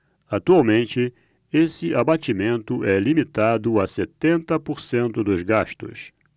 atualmente esse abatimento é limitado a setenta por cento dos gastos